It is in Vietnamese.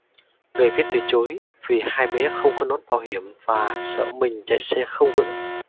người viết từ chối vì hai bé không có nón bảo hiểm và sợ mình chạy xe không vững